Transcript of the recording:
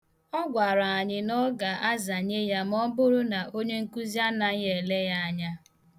Ọ gwara anyị na ọ ga-azanye ya ma ọ bụrụ na onyenkuzi anaghị ele ya anya.